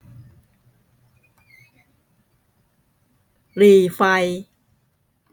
หรี่ไฟ